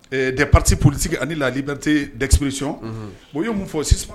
Des partis politiques l ani la iberté d'expression ɔnhɔn,o ye mun fɔ sisan